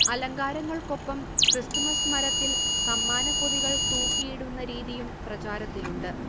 അലങ്കാരങ്ങൾക്കൊപ്പം Christmas മരത്തിൽ സമ്മാനപ്പൊതികൾ തൂക്കിയിടുന്ന രീതിയും പ്രചാരത്തിലുണ്ട്